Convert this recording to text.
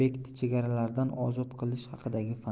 ob'ekt chegaralaridan ozod qilish haqidagi fan